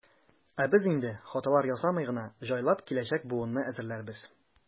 Ә без инде, хаталар ясамый гына, җайлап киләчәк буынны әзерләрбез.